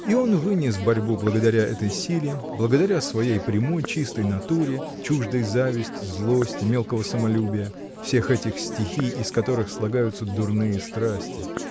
И он вынес борьбу, благодаря этой силе, благодаря своей прямой, чистой натуре, чуждой зависти, злости, мелкого самолюбия, — всех этих стихий, из которых слагаются дурные страсти.